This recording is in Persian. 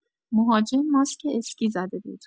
مهاجم ماسک اسکی زده بود.